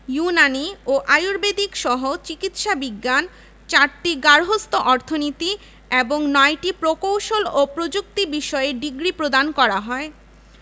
ইউনানি ও আর্য়ুবেদিকসহ চিকিৎসা বিজ্ঞান ৪টি গার্হস্থ্য অর্থনীতি এবং ৯টি প্রকৌশল ও প্রযুক্তি বিষয়ে ডিগ্রি প্রদান করা হয়